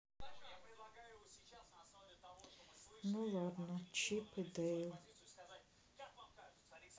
ну ладно чип и дейл